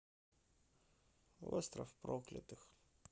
остров проклятых